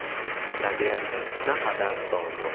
tabiat naqadar dono